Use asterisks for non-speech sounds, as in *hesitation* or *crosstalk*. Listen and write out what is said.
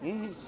*hesitation* *hesitation*